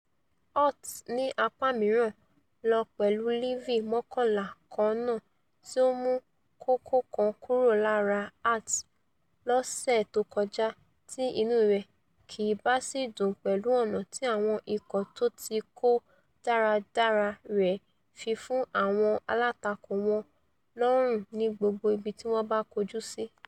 Holt, ní apá mìíràn, lọ pẹ̀lú Livi mọ́kànlá kannáà tí ó mú kókó kan kúró lára Hearts lọ́sẹ̀ tókọjá tí inú rẹ̀ kì bá sì dùn pẹ̀lú ọ̀nà tí àwọn ikọ̀ tótikọ́ dáradára rẹ̀ fi fún àwọn alátakò wọn lọ́rùn ní gbogbo ibiti wọ́n bá kọjú sí.